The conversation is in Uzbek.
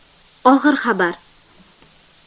og'ir xabar